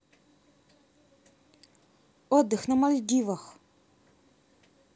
отдых на мальдивах